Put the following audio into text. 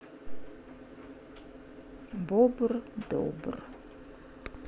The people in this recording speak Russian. бобр добр